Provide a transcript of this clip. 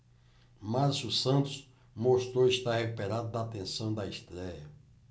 márcio santos mostrou estar recuperado da tensão da estréia